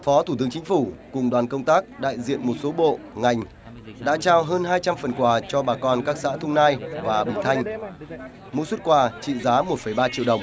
phó thủ tướng chính phủ cùng đoàn công tác đại diện một số bộ ngành đã trao hơn hai trăm phần quà cho bà con các xã thung nai và bình thanh mỗi suất quà trị giá một phẩy ba triệu đồng